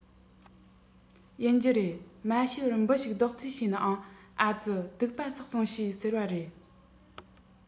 ཡིན གྱི རེད མ ཤེས པར འབུ ཞིག རྡོག རྫིས བྱས ན ཡང ཨ ཙི སྡིག པ བསགས སོང ཞེས ཟེར བ རེད